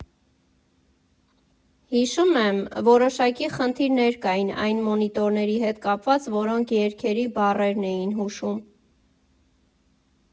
Հիշում եմ՝ որոշակի խնդիրներ կային այն մոնիտորների հետ կապված, որոնք երգերի բառերն էին հուշում…